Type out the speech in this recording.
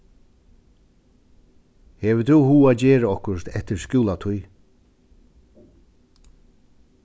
hevur tú hug at gera okkurt eftir skúlatíð